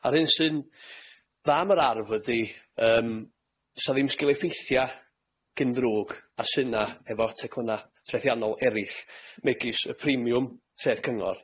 A'r hyn sy'n dda am yr arf ydi yym 's'a ddim sgil effeithia' gynddrwg â sy 'na hefo teclynna trethiannol erill, megis y premiwm treth cyngor,